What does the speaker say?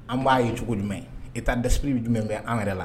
An b'a ye cogo jumɛn, état d'esprit jumɛn bɛ an yɛrɛ la